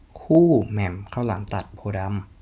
คู่แหม่มข้าวหลามตัดโพธิ์ดำ